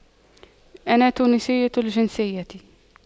أنا تونسية الجنسية